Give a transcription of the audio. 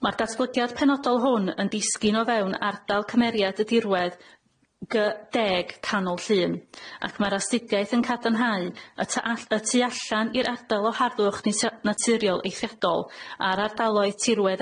Ma'r datblygiad penodol hwn yn disgyn o fewn ardal cymeriad y dirwedd gy deg canol llyn ac ma'r astudiaeth yn cadarnhau y ta- all- y tu allan i'r ardal o harddwch ni- naturiol eithriadol ar ardaloedd tirwedd